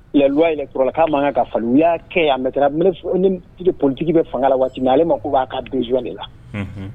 Yaluy kurala'a ma kan ka fa yyaa kɛ yan politigi bɛ fanga la waati min ale ma k' b'a ka binzwa de la